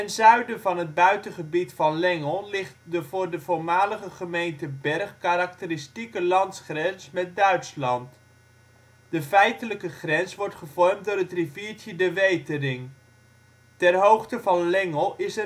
zuiden van het buitengebied van Lengel ligt de voor de voormalige gemeente Bergh karakteristieke landsgrens met Duitsland. De feitelijke grens wordt gevormd door het riviertje de Wetering. Ter hoogte van Lengel is